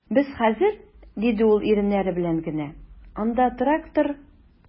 Без хәзер, - диде ул иреннәре белән генә, - анда трактор...